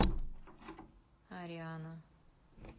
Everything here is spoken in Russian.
ариана